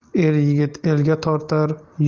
er yigit elga tortar